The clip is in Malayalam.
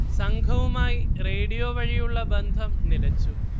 സംഘവുമായി റേഡിയോ വഴിയുള്ള ബന്ധം നിലച്ചു